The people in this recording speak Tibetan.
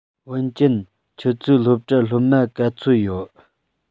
ཝུན ཅུན ཁྱོད ཚོའི སློབ གྲྭར སློབ མ ག ཚོད ཡོད